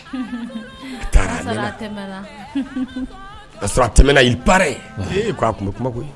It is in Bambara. A taara' sɔrɔ a tɛmɛna i baara ye k' a kun bɛ kuma ye